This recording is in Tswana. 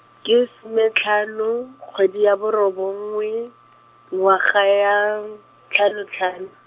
ke some tlhano, kgwedi ya borobongwe , ngwaga ya, tlhano tlhano.